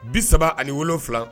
Bi saba ani wolowula